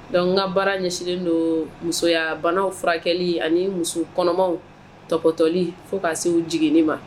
Dɔnku ka baara ɲɛsinlen don musoya bana furakɛli ani muso kɔnɔmaw tɔtɔli fo k' se jiginni ma